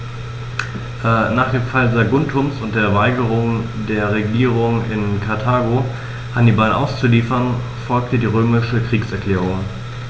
Nach dem Fall Saguntums und der Weigerung der Regierung in Karthago, Hannibal auszuliefern, folgte die römische Kriegserklärung.